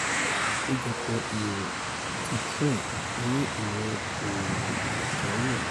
Àwọn ìpéjọpọ̀ èrò ti Trump ní Ìwọ-oòrùn Virginia